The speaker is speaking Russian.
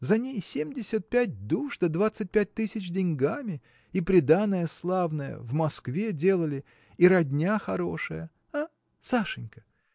За ней семьдесят пять душ да двадцать пять тысяч деньгами и приданое славное в Москве делали и родня хорошая. А? Сашенька?